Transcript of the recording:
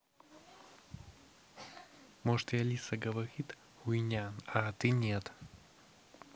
может и алиса говорит хуйня а ты нет